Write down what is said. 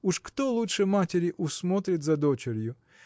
уж кто лучше матери усмотрит за дочерью?